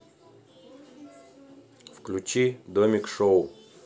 включи домик шоу